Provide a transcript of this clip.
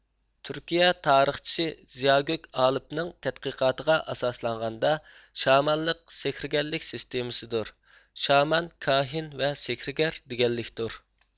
تۈركىيە تارىخچىسى زىياگۆكئالىپنىڭ تەتقىقاتىغا ئاساسلانغاندا شامانلىق سېھىرىگەرلىك سېستىمىسىدۇر شامان كاھىن ۋە سېھىرىگەر دىگەنلىكتۇر